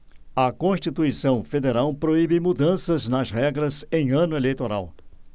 a constituição federal proíbe mudanças nas regras em ano eleitoral